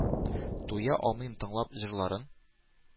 Туя алмыйм тыңлап җырларын,